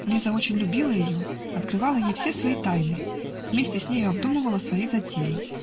Лиза очень любила ее, открывала ей все свои тайны, вместе с нею обдумывала свои затеи